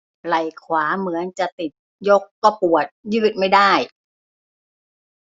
ไหล่ขวาเหมือนจะติดยกก็ปวดยืดไม่ได้